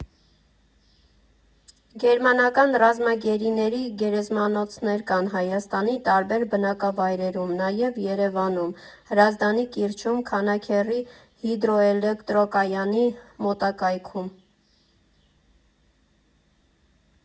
Գերմանական ռազմագերիների գերեզմանոցներ կան Հայաստանի տարբեր բնակավայրերում, նաև Երևանում՝ Հրազդանի կիրճում, Քանաքեռի հիդրոէլեկտրակայանի մոտակայքում։